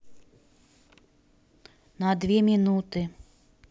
на две минуты